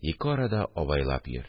Ике арада абайлап йөр